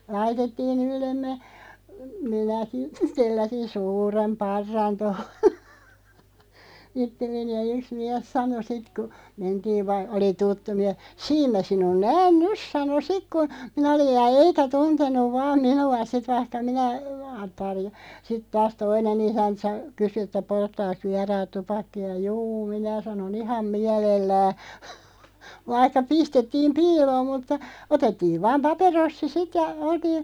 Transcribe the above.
laitettiin yllemme minäkin telläsin suuren parran tuohon itselleni ja yksi mies sanoi sitten kun mentiin - oli tuttu mies siinä minä sinun näen nyt sanoi sitten kun minä olin ja eikä tuntenut vain minua sitten vaikka minä sitten taas toinen isäntä - kysyi että polttaakos vieraat tupakkaa juu minä sanoin ihan mielellään” vaikka pistettiin piiloon mutta otettiin vain paperossi sitten ja oltiin